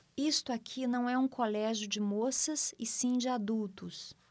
isto aqui não é um colégio de moças e sim de adultos